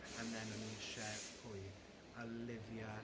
And then o'n i eisiau, pwy? Olivia.